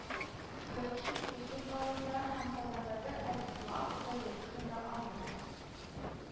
Гы «чүкеч» журналында һәм казандагы «әлислах» газетасында аның